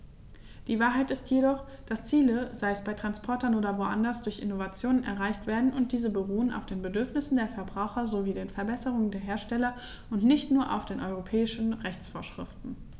Die Wahrheit ist jedoch, dass Ziele, sei es bei Transportern oder woanders, durch Innovationen erreicht werden, und diese beruhen auf den Bedürfnissen der Verbraucher sowie den Verbesserungen der Hersteller und nicht nur auf europäischen Rechtsvorschriften.